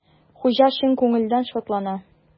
Хуҗа чын күңелдән шатлана.